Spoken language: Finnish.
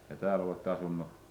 ja täällä olette asunut